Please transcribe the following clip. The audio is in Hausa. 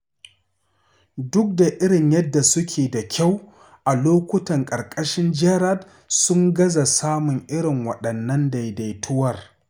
Duk da irin yadda suke da kyau a lokutan a ƙarƙashin Gerrard, sun gaza samun irin wadannan daidaituwar.